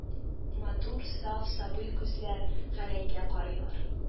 Матур, саф, сабый күзләр Гәрәйгә карыйлар